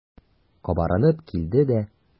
Кабарынып килде дә.